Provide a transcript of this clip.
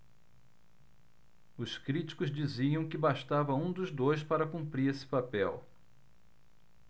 os críticos diziam que bastava um dos dois para cumprir esse papel